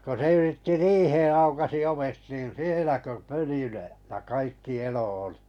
kun se yritti riiheen aukaisi ovet niin siellä kun pöly löi ja kaikki elo oli